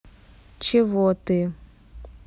чего ты